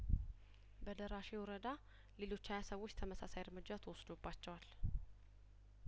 በደራ ሼ ወረዳ ሌሎች ሀያሰዎች ተመሳሳይ እርምጃ ተወስዶባቸዋል